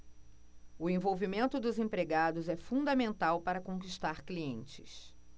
o envolvimento dos empregados é fundamental para conquistar clientes